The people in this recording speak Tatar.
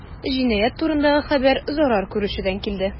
Җинаять турындагы хәбәр зарар күрүчедән килде.